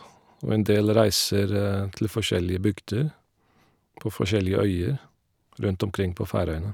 Og en del reiser til forskjellige bygder på forskjellige øyer rundt omkring på Færøyene.